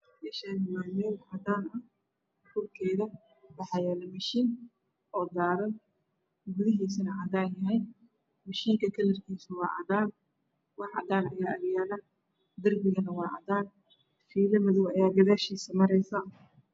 Meeshani waa meel cadaan ah korkeda waxaa yaala mishiin oo gaaban gudihiisana cadaan yahay mishiinka kalarkiisu waa cadaan wax cadaan ah ayaa agyaalo darbigana waa cadaan fiilo madaw ayaa gadashiisa maraysa